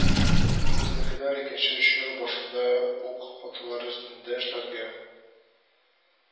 Безнекеләр икенче чор башында ук хаталар өстендә эшләргә